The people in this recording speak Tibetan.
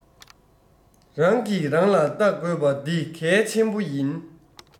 རང གི རང ལ ལྟ དགོས པ འདི གལ ཆེ པོ ཡིན